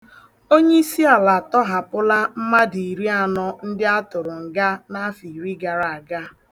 Onyeisiala atọhapụla mmadụ iri anọ ndị atụrụ nga n'afọ iri gara aga.